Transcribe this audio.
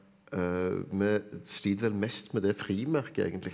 vi sliter vel mest med det frimerket egentlig.